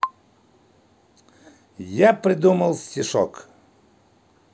я придумал стишок